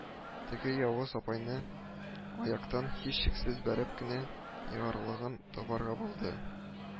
Теге явыз апайны аяктан һичшиксез бәреп кенә егарлыгын табарга булды